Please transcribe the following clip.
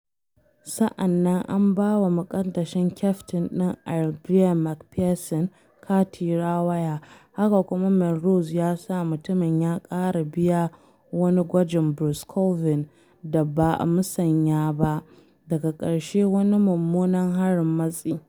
Sa’an nan an ba wa muƙaddashin kyaftin ɗin Ayr Blair Macpherson kati rawaya, haka kuma, Melrose ya sa mutumin ya ƙara biya wani gwajin Bruce Colvine da ba a musanya ba, daga ƙarshe wani mummuna harin matsi.